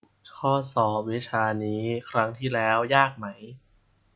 ข้อสอบวิชานี้ครั้งที่แล้วยากไหม